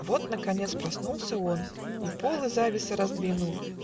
Вот наконец проснулся он И полы завеса раздвинул